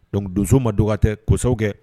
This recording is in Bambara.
Donc donso ma dɔgɔ tɛsa kɛ